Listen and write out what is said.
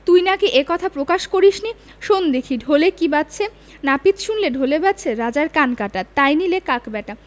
তুই নাকি এ কথা প্রকাশ করিসনি শোন দেখি ঢোলে কী বাজছে নাপিত শুনলে ঢোলে বাজছে রাজার কান কাটা তাই নিলে কাক ব্যাটা